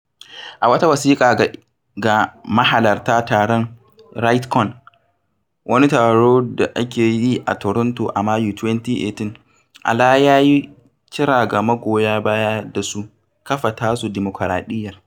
A wata wasiƙa ga mahalarta taron Rightcon, wani taro da ake yi a Toronto a Mayu, 2018, Alaa ya yi kira ga magoya baya da su "kafa [tasu] dimukuraɗiyyar".